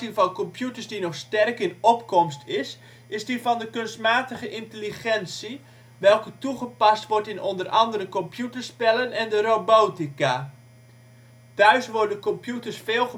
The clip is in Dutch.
van computers die nog sterk in opkomst is, is die van de kunstmatige intelligentie, welke toegepast wordt in o.a. computerspellen en de robotica. Thuis worden computers veel